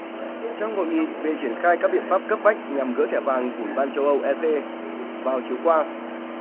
trong hội nghị về triển khai các biện pháp cấp bách nhằm gỡ thẻ vàng của ủy ban châu âu e xê vào chiều qua